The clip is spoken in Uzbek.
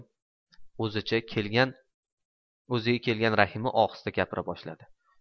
o'ziga kelgan rahima ohista gapira boshladi